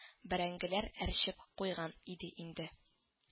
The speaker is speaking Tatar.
Бәрәңгеләр әрчеп куйган иде инде